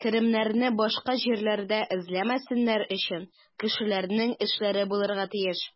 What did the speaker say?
Керемнәрне башка җирләрдә эзләмәсеннәр өчен, кешеләрнең эшләре булырга тиеш.